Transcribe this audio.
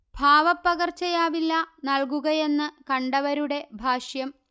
ഭാവപ്പകർച്ചയാവില്ല നല്കുകയെന്ന് കണ്ടവരുടെ ഭാഷ്യം